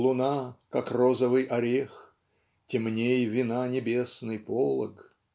луна - как розовый орех, темней вина небесный полог".